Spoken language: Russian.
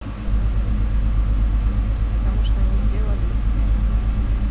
потому что они сделали из снега